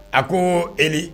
A ko e